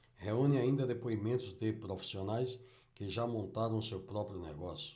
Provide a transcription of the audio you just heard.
reúne ainda depoimentos de profissionais que já montaram seu próprio negócio